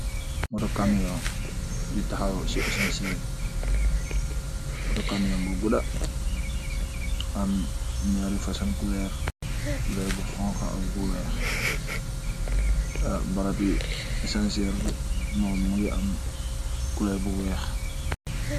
Moto kamiyun yu taxaw si esanseri moto kamiyun bu guda aam naar rii fosong colur aam colur bu xonxa ak bu weex arr barambi esanseri bi momm mogi aam colur bu weex.